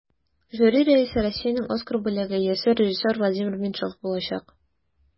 Жюри рәисе Россиянең Оскар бүләге иясе режиссер Владимир Меньшов булачак.